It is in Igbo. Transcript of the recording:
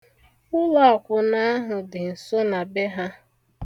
Ụlọakwụna ahụ dị nso na be ha.